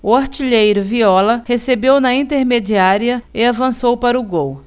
o artilheiro viola recebeu na intermediária e avançou para o gol